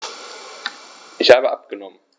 Ich habe abgenommen.